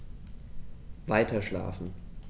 Weiterschlafen.